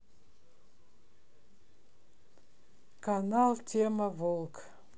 канал тема волк